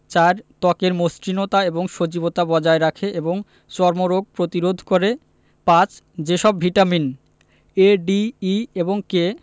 ৪. ত্বকের মসৃণতা এবং সজীবতা বজায় রাখে এবং চর্মরোগ প্রতিরোধ করে ৫. যে সব ভিটামিন এ ডি ই এবং কে